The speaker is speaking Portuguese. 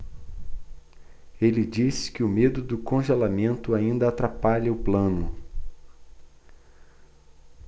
ele disse que o medo do congelamento ainda atrapalha o plano